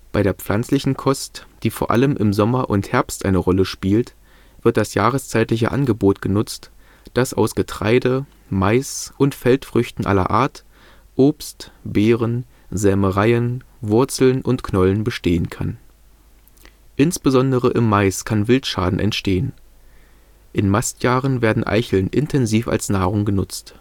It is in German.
Bei der pflanzlichen Kost, die vor allem in Sommer und Herbst eine Rolle spielt, wird das jahreszeitliche Angebot genutzt, das aus Getreide, Mais und Feldfrüchten aller Art, Obst, Beeren, Sämereien, Wurzeln und Knollen bestehen kann. Insbesondere im Mais kann Wildschaden entstehen. In Mastjahren werden Eicheln intensiv als Nahrung genutzt